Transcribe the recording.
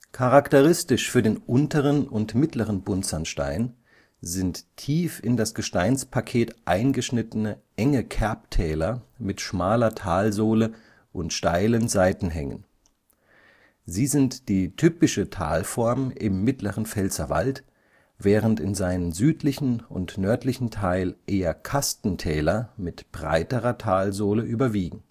Charakteristisch für den unteren und mittleren Buntsandstein sind tief in das Gesteinspaket eingeschnittene enge Kerbtäler mit schmaler Talsohle und steilen Seitenhängen. Sie sind die typische Talform im mittleren Pfälzerwald, während in seinem südlichen und nördlichen Teil eher Kastentäler mit breiterer Talsohle überwiegen